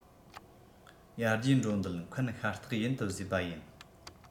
ཡར རྒྱས འགྲོ འདོད མཁན ཤ སྟག ཡིན དུ བཟོས པ ཡིན